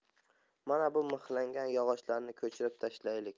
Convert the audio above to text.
mana bu mixlangan yog'ochlarini ko'chirib tashlaylik